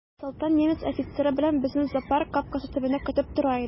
Солтан немец офицеры белән безне зоопарк капкасы төбендә көтеп тора иде.